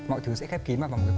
mọi thứ sẽ khép kín mà vào